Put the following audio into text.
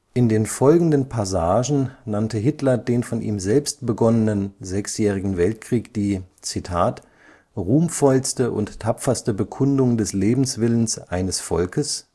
In den folgenden Passagen nannte Hitler den von ihm selbst begonnenen sechsjährigen Weltkrieg die „ ruhmvollste und tapferste Bekundung des Lebenswillens eines Volkes